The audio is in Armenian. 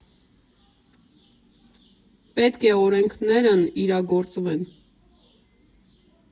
Պետք է օրենքներն իրագործվեն։